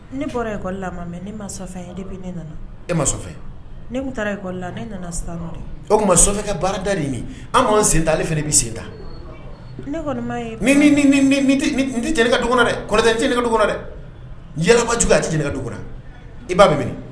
Ne bɔra ekɔ la mɛ ne ma de bɛ ne nana e mafɛ ne bɛ taa ekɔli la ne nana sa o ka baara da de an'an sentan ale fɛ bɛ sentan ne kɔni n tɛ jɛnɛ ka dɛ kɔrɔtɛ tɛ ne ka dugu dɛ yalaba jugu' a tɛ ne ka dugu i ba bɛ minɛ